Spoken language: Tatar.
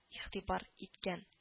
Игътибар иткән